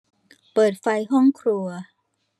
เปิดไฟห้องครัว